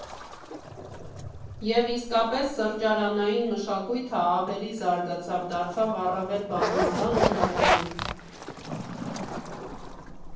Եվ իսկապես, սրճարանային մշակույթը ավելի զարգացավ, դարձավ առավել բազմազան ու հաճելի։